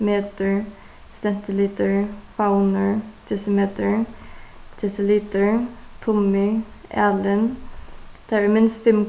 metur sentilitur favnur desimetur desilitur alin tað verður minst fimm